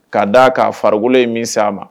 K'a d'a k'a farikolo in min s a ma